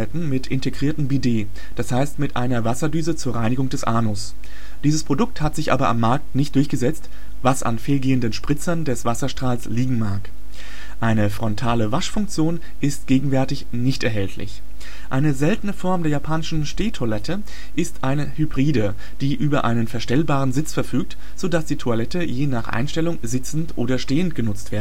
mit integriertem Bidet, d. h. mit einer Wasserdüse zur Reinigung des Anus. Dieses Produkt hat sich aber am Markt nicht durchgesetzt, was an fehlgehenden Spritzern des Wasserstrahls liegen mag. Eine frontale Waschfunktion ist gegenwärtig nicht erhältlich. Eine seltene Form der japanischen Stehtoilette ist eine Hybride, die über einen verstellbaren Sitz verfügt, so dass die Toilette je nach Einstellung sitzend oder stehend genutzt